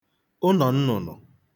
ụnọ̀ nnụ̀nụ̀